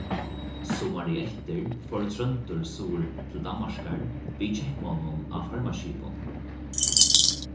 summarið eftir fór tróndur suður til danmarkar við keypmonnum á farmaskipum